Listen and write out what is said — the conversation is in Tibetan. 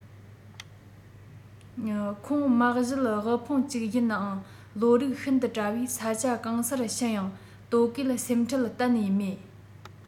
ཁོང མ གཞི དབུལ ཕོངས ཅིག ཡིན ནའང བློ རིག ཤིན ཏུ བཀྲ བས ས ཆ གང སར ཕྱིན ཡང ལྟོ གོས སེམས ཁྲལ གཏན ནས མེད